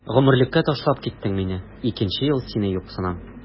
Гомерлеккә ташлап киттең мине, икенче ел сине юксынам.